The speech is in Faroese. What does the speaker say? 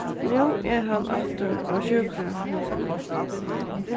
nú er hann aftur á sjúkrahúsinum